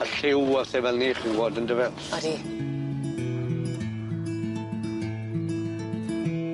Y lliw a 'the fel 'ny chi'n gw'od yndyfe? Odi.